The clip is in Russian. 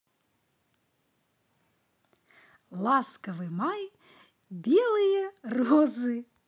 ласковый май белые розы